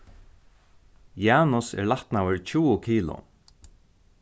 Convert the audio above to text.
janus er lætnaður tjúgu kilo